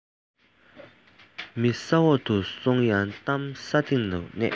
མི ས འོག དུ སོང ཡང གཏམ ས སྟེང དུ གནས